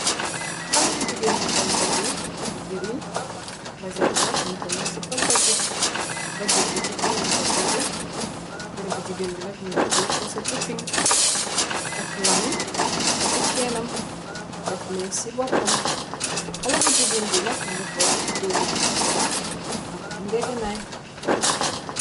Xale bu jigeen bu sol mbasée bu giriin mbase bi nak mu ko ñëw ci pag daggit bi ci kaw ñum ko perle xale bu jigeen bi nat mu ngi teye poset bu pink takk lamam dati sheenam def mees ci boppam xale bu jigeen ngi nak mu ngi toog ci tuugu bu sokola am ay ngeegenaay.